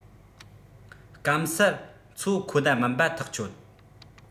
སྐམ སར འཚོ ཁོ ན མིན པ ཐག ཆོད